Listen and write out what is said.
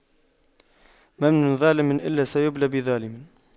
ما من ظالم إلا سيبلى بظالم